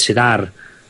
sydd ar